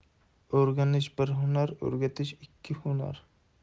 o'rganish bir hunar o'rgatish ikki hunar